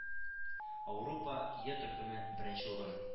Аурупа, Е төркеме, бере-нче урын